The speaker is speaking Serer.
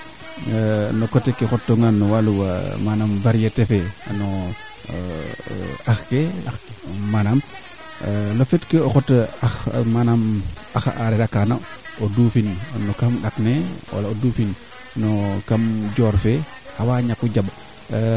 kee waag na teen tig rek koy kee roog fee fina fagun faak ba continuer na ren a temba mayu rek i mu ando naye xoxo gaan a baña rend 'u xana janga place um mu xoxo goona xano numtu maa xoxogoona foof le fata numtu wiid rek xan cegel ke numtu wiid a bañake numtu wiid